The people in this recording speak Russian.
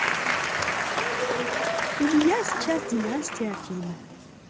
у меня сейчас династия афина